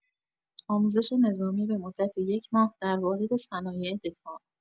آموزش نظامی به مدت یک ماه در واحد صنایع دفاع